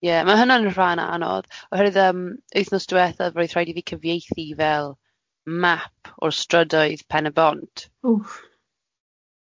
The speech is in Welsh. Ie, ma' hwnna'n rhan anodd oherwydd yym wythnos diwethaf roedd rhaid i fi cyfieithu fel map o'r strydoedd Pen y Bont. Oof.